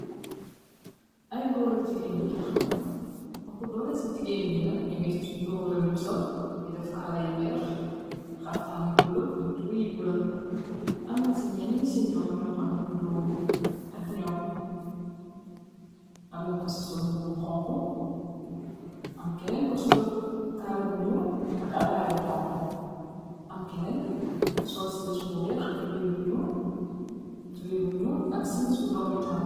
Ay góor ak jigéen yu taxaw opo doole ci jigéen yi nak ñungi nduróole luñ sol nungi def kaala yu weex xaftaan yu bulu ak tubai yu bulu amna ci ñennñ si ñoom ñoo xamne nduroowuñ ak ñoom amna ko ci sol mboobu xonko am keneen ko sol kaala bu ñuul ak abaay bu xonku am keneen ko sol simis bu weex tubai bu ñuul tubabi bu nuul ak simis bu doomitaal.